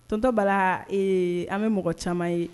Tontɔ b balaa an bɛ mɔgɔ caman ye